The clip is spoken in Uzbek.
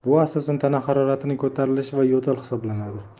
bu asosan tana haroratining ko'tarilishi va yo'tal hisoblanadi